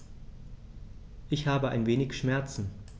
Ich habe ein wenig Schmerzen.